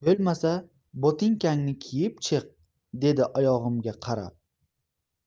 bo'lmasa botinkangni kiyib chiq dedi oyog'imga qarab